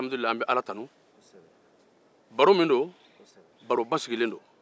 an bɛ ala tanu